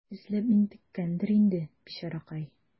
Эзләп интеккәндер инде, бичаракай.